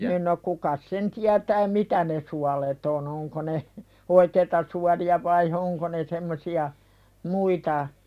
niin no kukas sen tietää mitä ne suolet on onko ne oikeita suolia vain onko ne semmoisia muita